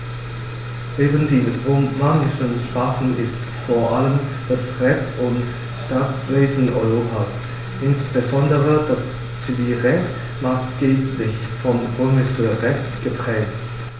Neben den romanischen Sprachen ist vor allem das Rechts- und Staatswesen Europas, insbesondere das Zivilrecht, maßgeblich vom Römischen Recht geprägt.